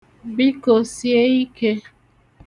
Biko, sie ike!